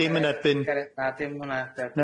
Dim yn erbyn... Na dim hwnna...